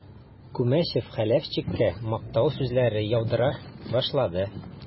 Күмәчев Хәләфчиккә мактау сүзләре яудыра башлады.